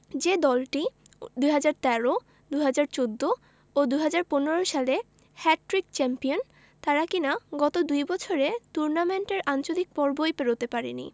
যে দলটি ২০১৩ ২০১৪ ও ২০১৫ সালে হ্যাটট্রিক চ্যাম্পিয়ন তারা কিনা গত দুই বছরে টুর্নামেন্টের আঞ্চলিক পর্বই পেরোতে পারেনি